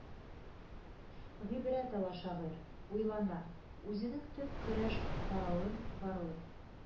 Гыйбрәт ала шагыйрь, уйлана, үзенең төп көрәш коралын барлый: